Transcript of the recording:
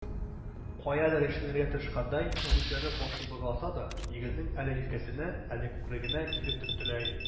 Каядыр яшеренергә тырышкандай, өметсезләнеп башын боргаласа да, егетнең әле җилкәсенә, әле күкрәгенә килеп төртелә иде.